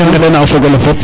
ŋenda na o fogole fop